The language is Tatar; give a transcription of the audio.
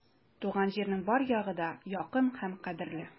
Туган җирнең бар ягы да якын һәм кадерле.